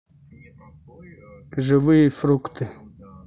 живые фрукты